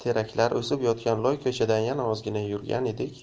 kelayotgan semiz xotin ko'rindi